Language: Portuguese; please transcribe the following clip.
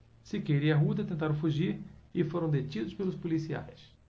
siqueira e arruda tentaram fugir e foram detidos pelos policiais